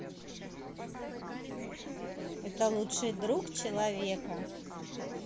это лучший друг человека